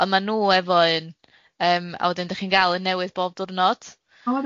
ond ma' nw efo un yym a wedyn da' chi'n gal un newydd bob dwrnod.